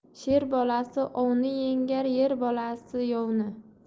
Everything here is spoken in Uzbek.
sher bolasi ovni yengar er bolasi yovni